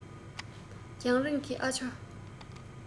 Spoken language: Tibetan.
རྒྱང རིང གི ཨ ཇོ